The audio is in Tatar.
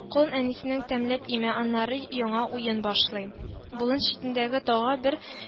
Колын әнисенең тәмләп имә, аннары яңа уен башлый. Болын читендәге тауга бер